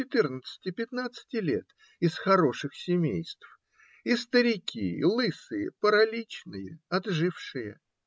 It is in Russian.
четырнадцати-пятнадцати лет) из "хороших семейств", и старики, лысые, параличные, отжившие?